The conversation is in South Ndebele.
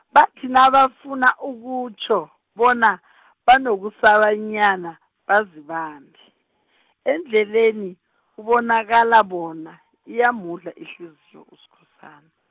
bathi nabafuna ukutjho, bona banokusabanyana bazibambe, endleleni kubonakala bona, iyamudla ihliziyo Uskhosana.